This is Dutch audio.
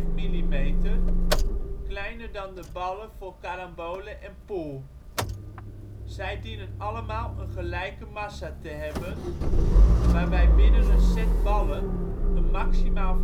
millimeter, kleiner dan de ballen voor carambole en pool. Zij dienen allemaal een gelijke massa te hebben, waarbij binnen een set ballen een maximaal